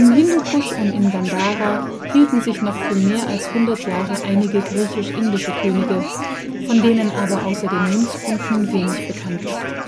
Hindukusch und in Gandhara hielten sich noch für mehr als hundert Jahre einige griechisch-indische Könige, von denen aber außer den Münzfunden wenig bekannt ist